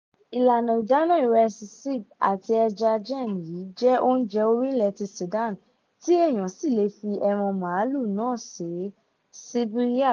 Ìlànà ìdáná ìrẹsì (ceeb) àti ẹja (jenn) yìí jẹ́ oúnjẹ orílẹ̀ ti Sudan tí èèyàn sì lè fi ẹran màálù náà sè é (ceebu yapp).